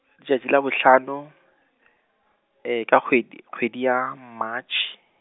tšatši la bohlano , ka kgwedi, kgwedi ya Matšhe.